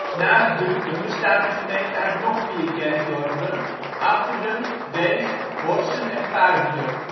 Naast Druten bestaat de gemeente uit nog vier kerkdorpen: Afferden, Deest, Horssen en Puiflijk